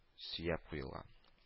Сөяп куелган